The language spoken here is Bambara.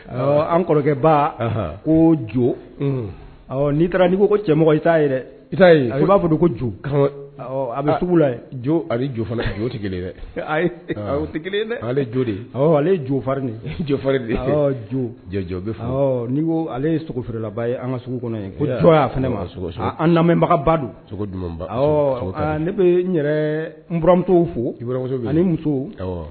An kɔrɔkɛba ko jo n'i taara n'i ko cɛmɔgɔ i t'a i t i b'a fɔ ko jo a bɛ tugu la jo a bɛ jofa la ka jo tɛ kelen dɛ kelen ale jo de ale jofarin jofarin jo n'i ale ye sogo feerela ye an ka sogo kɔnɔ ko jɔn y'a ne ma an na lamɛnbagaba don ne bɛ n yɛrɛ nuramusotɔw fomuso muso